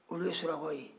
olu ye surakaw ye